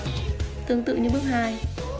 tương tự như bước